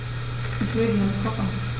Ich will gerne kochen.